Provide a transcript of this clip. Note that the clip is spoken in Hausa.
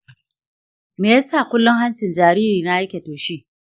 me ya sa kullum hancin jaririna yake toshe?